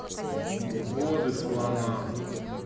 воды слонам